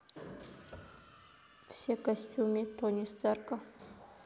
все костюмы тони старка